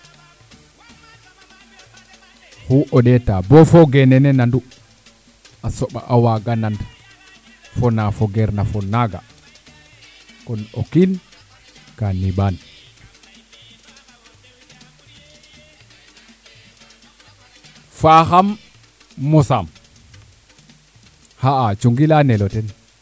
oxu o ndeeta bo fooge nene nandu a soɓa a waaga nan fo na fogeer na fo naaga kon o kiin ka neɓaan faxaam mosaam xa'a cungi leya neloten